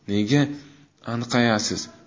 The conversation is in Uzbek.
nega anqayasiz